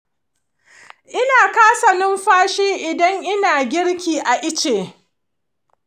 ina ƙasa numfashi idan ina girki a iche